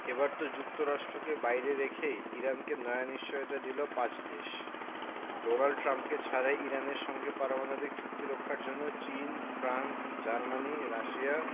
এবার তো যুক্তরাষ্ট্রকে বাইরে রেখেই ইরানকে নয়া নিশ্চয়তা দিল পাঁচ দেশ ডোনাল্ড ট্রাম্পকে ছাড়াই ইরানের সঙ্গে পারমাণবিক চুক্তি রক্ষার জন্য চীন ফ্রান্স জার্মানি রাশিয়া